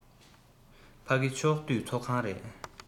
ཕ གི ཕྱོགས བསྡུས ཚོགས ཁང རེད